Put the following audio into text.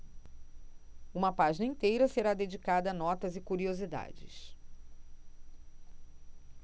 uma página inteira será dedicada a notas e curiosidades